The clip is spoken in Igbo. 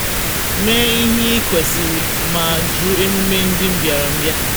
Mee ihe ị kwesịrị ma jụ emume ndị mbịarambịa.